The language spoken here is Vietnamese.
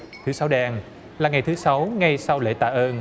thứ sáu đen là ngày thứ sáu ngay sau lễ tạ ơn